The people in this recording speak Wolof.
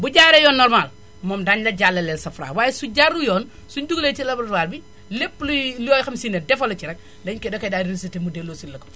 bu jaaree yoon normal moom daañu la jàllaleel sa Fra waaye su jaarul yoon suñu dugalee si laboratoire bi lépp luy loo xam si ne defoo la ci rekk dañ koy da koy daal rejeté mu delloosil la ko